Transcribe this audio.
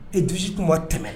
tun ma tɛmɛ.